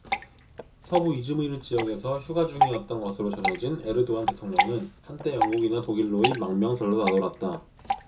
서부 이즈미르 지역에서 휴가 중이었던 것으로 전해진 에르도안 대통령은 한때 영국이나 독일로의 망명설도 나돌았다